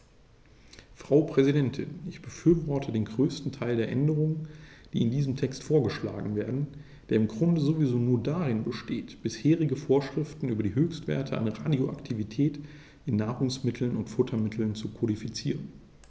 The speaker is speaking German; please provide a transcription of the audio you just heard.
Frau Präsidentin, ich befürworte den größten Teil der Änderungen, die in diesem Text vorgeschlagen werden, der im Grunde sowieso nur darin besteht, bisherige Vorschriften über die Höchstwerte an Radioaktivität in Nahrungsmitteln und Futtermitteln zu kodifizieren.